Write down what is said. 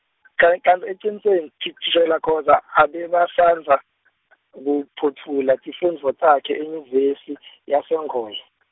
kan- kantsi ecinisweni tshit- thishela Khoza abebasandza, kuphotfula tifundvo takhe enyuvesi , yase-Ongoye.